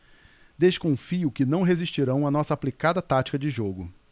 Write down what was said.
desconfio que não resistirão à nossa aplicada tática de jogo